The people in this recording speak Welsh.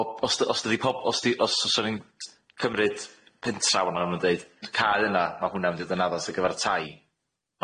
Bo- os dy- os dydi pob- os di os os 'swn i'n cymryd pentra wan a deud cau yna ma' hwnna'n mynd i fod yn addas ar gyfar tai